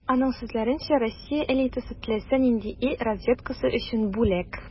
Аның сүзләренчә, Россия элитасы - теләсә нинди ил разведкасы өчен бүләк.